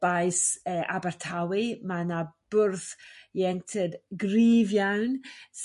mae 'na bwrdd ieunctid gryf iawn